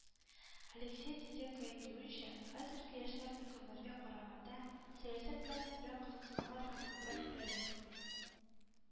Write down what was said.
Алексей Диденко әйтүенчә, хәзерге яшьләр өлкәннәргә караганда сәясәт белән күбрәк кызыксыналар һәм күбрәк беләләр.